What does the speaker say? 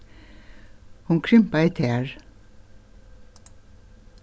hon krympaði tær